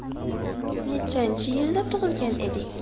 nechanchi yilda tug'ilgan eding